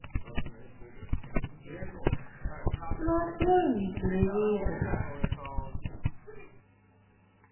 ну открой мне телевизор